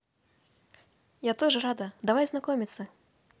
я тоже рада давайте знакомиться